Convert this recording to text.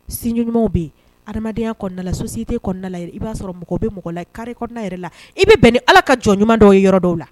S ɲumanumaw bɛ adamadenyaya kɔnɔnadala so si tɛdala i b'a sɔrɔ mɔgɔw bɛ mɔgɔ la kari yɛrɛ la i bɛ bɛn ala ka jɔn ɲuman dɔw i yɔrɔ dɔw la